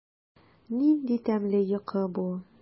Нинди тәмле йокы бу!